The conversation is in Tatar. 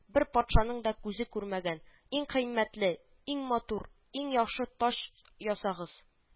Бер патшаның да күзе күрмәгән, иң кыйммәтле, иң матур, иң яхшы таҗ ясагыз